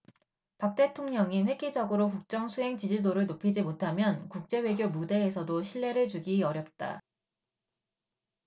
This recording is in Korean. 박 대통령이 획기적으로 국정수행지지도를 높이지 못하면 국제 외교 무대에서도 신뢰를 주기 어렵다